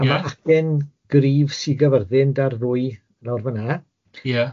a ma acen gryf Sir Gafyrddin da'r ddwy nawr fanna... Ia.